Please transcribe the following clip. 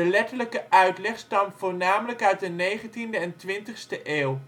letterlijke uitleg stamt voornamelijk uit de 19e en 20e eeuw